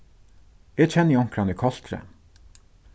eg kenni onkran í koltri